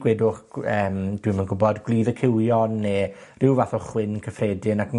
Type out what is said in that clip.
gwedwch gw- yym, dwim yn gwbod, gwlydd y cywion ne' ryw fath o chwyn cyffredin, ac yn